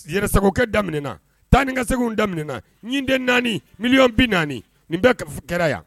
Yɛrɛsakɛ damin tan ni ka segu damin den naani miliyɔn bɛ naani nin bɛ ka kɛra yan